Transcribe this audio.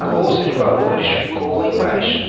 a bolsa de valores ficou em baixa